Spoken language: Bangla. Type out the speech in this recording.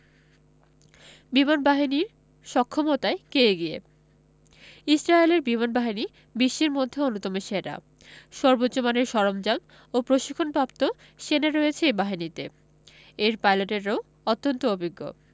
বিমানবাহীর সক্ষমতায় কে এগিয়ে ইসরায়েলের বিমানবাহিনী বিশ্বের মধ্যে অন্যতম সেরা সর্বোচ্চ মানের সরঞ্জাম ও প্রশিক্ষণপ্রাপ্ত সেনা রয়েছে এ বাহিনীতে এর পাইলটেরাও অত্যন্ত অভিজ্ঞ